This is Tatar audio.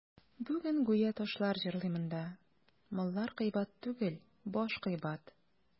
Бүген гүя ташлар җырлый монда: «Маллар кыйбат түгел, баш кыйбат».